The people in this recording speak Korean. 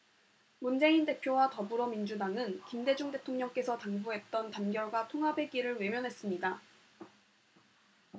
문재인 대표와 더불어민주당은 김대중 대통령께서 당부했던 단결과 통합의 길을 외면했습니다